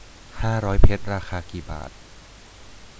ห้าร้อยเพชรราคากี่บาท